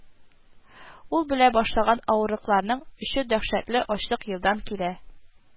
Ул белә башлаган авырлыкларның очы дәһшәтле ачлык елдан килә